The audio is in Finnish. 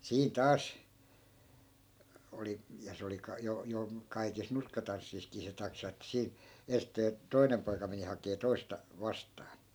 siinä taas oli ja se oli - jo jo kaikissa nurkkatansseissakin se taksa että siinä ensisteen toinen poika meni hakemaan toista vastaan